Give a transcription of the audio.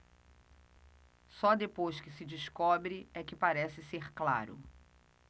só depois que se descobre é que parece ser claro